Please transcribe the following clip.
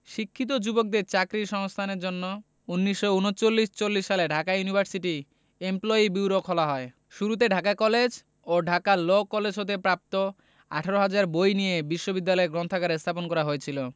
শিক্ষিত যুবকদের চাকরির সংস্থানের জন্য ১৯৩৯ ৪০ সালে ঢাকা ইউনিভার্সিটি ইমপ্লয়ি বিউরো খোলা হয় শুরুতে ঢাকা কলেজ ও ঢাকা ল কলেজ হতে প্রাপ্ত ১৮ হাজার বই নিয়ে বিশ্ববিদ্যালয় গ্রন্থাগার স্থাপন করা হয়েছিল